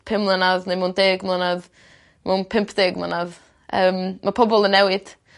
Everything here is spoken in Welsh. pum mlynadd ne' mewn deg mlynadd mewn pump deg mlynadd. Yym ma' pobol yn newid